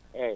eeyi